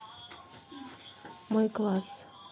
мой класс